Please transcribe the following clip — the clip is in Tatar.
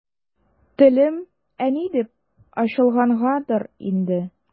Телем «әни» дип ачылгангадыр инде.